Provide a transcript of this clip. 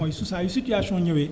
mooy su saa yu situation ñëwee